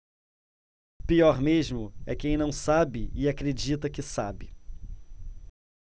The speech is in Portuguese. pior mesmo é quem não sabe e acredita que sabe